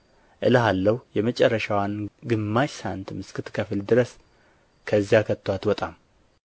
እልሃለሁ የመጨረሻዋን ግማሽ ሳንቲም እስክትከፍል ድረስ ከዚያ ከቶ አትወጣም